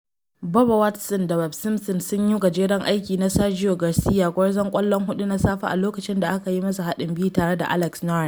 Bubba Watson da Webb Simpson sun yi gajeren aiki na Sergio Garcia, gwarzon ƙwallo huɗu na safe, a lokacin da aka yi musu haɗin biyu tare da Alex Noren.